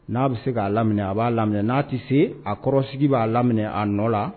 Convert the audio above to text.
N'a bɛ se k'a laminɛ, a b'a laminɛ. N'a tɛ se, a kɔrɔsigi b'a laminɛ a nɔ la